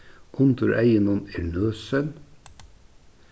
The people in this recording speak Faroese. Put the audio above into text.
undir eygunum er nøsin